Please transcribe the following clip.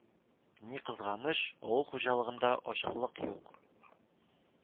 Ни кызганыч, авыл хуҗалыгында ачыклык юк